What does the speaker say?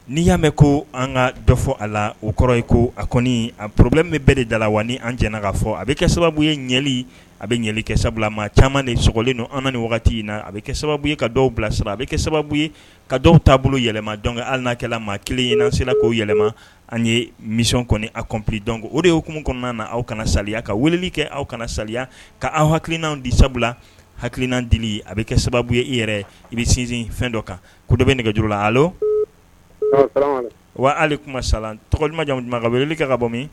N'i y'a mɛn ko an ka dɔ fɔ a la o kɔrɔ ye ko a kɔni a porobilɛ min bɛɛ de da la wa ni an jɛnɛ ka fɔ a bɛ kɛ sababu ye ɲɛli a bɛ ɲali kɛ sababu maa caman ni sogolen don an ni wagati in na a bɛ kɛ sababu ye ka dɔw bilasira a bɛ kɛ sababu ye ka dɔw t taaboloa bolo yɛlɛma dɔn haliinakɛla maa kelenysela k' yɛlɛma an ye mi kɔni a cop dɔn o de yeokumu kɔnɔna na aw kana saya ka weleli kɛ aw kana sa ka aw hakilikilina di sababu hakilina di a bɛ kɛ sababu ye i yɛrɛ i bɛ sinsin fɛn dɔ kan ko dɔ bɛ nɛgɛj la ale wa hali kuma sa ɲumanja ka wele wuli ka bɔ min